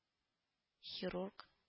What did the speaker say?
Хирург